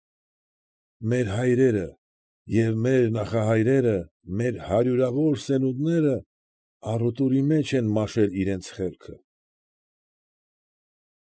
Մեր հայրերը և մեր նախահայրերը, մեր հարյուրավոր սերունդները առուտրի մեջ են մաշել իրենց խելքը։